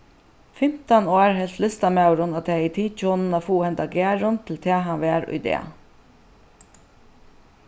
fimtan ár helt listamaðurin at tað hevði tikið honum at fáa henda garðin til tað hann var í dag